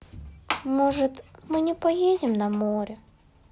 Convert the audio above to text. может мы не поедем на море